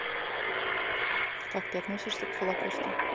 как ты относишься к холокосту